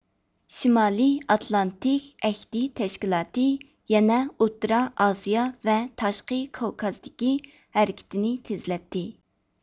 شىمالى ئاتلانتىك ئەھدى تەشكىلاتى يەنە ئوتتۇرا ئاسىيا ۋە تاشقى كاۋكازدىكى ھەرىكىتىنى تېزلەتتى